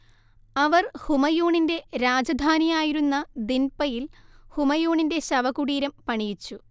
അവർ ഹുമയൂണിന്റെ രാജധാനിയായിരുന്ന ദിൻപയിൽ ഹുമയൂണിന്റെ ശവകുടീരം പണിയിച്ചു